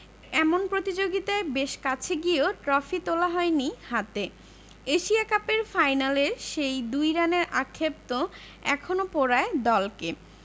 এমন প্রতিযোগিতায় বেশ কাছে গিয়েও ট্রফি তোলা হয়নি হাতে এশিয়া কাপের ফাইনালের সেই ২ রানের আক্ষেপ তো এখনো পোড়ায় দলকে